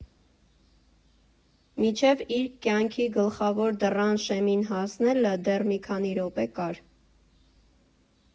Մինչև իր կյանքի գլխավոր դռան շեմին հասնելը դեռ մի քանի րոպե կար։